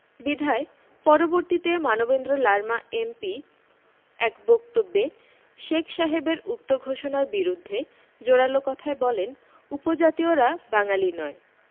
বিধায় পরবর্তীতে মানবেন্দ্র লারমা এম.পি. এক বক্তব্যে শেখ সাহেবের উক্ত ঘোষণার বিরুদ্ধে জোরালো কথায় বলেন উপজাতীয়রা বাঙালি নয়